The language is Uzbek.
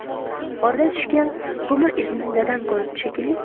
qorda tushgan ko'mir izini dadam ko'ribdi shekilli